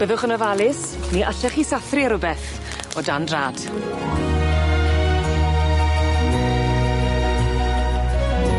Byddwch yn ofalus, ne' allech chi sathru ar rwbeth o dan drad.